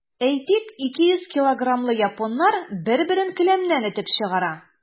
Әйтик, 200 килограммлы японнар бер-берен келәмнән этеп чыгара.